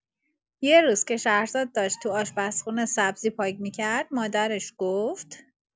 یه روز که شهرزاد داشت تو آشپزخونه سبزی پاک می‌کرد، مادرش گفت: